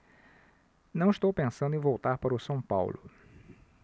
não estou pensando em voltar para o são paulo